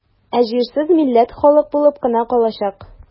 Ә җирсез милләт халык булып кына калачак.